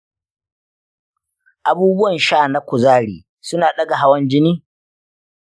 abubuwan sha na kuzari suna ɗaga hawan jini?